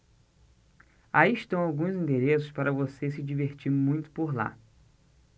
aí estão alguns endereços para você se divertir muito por lá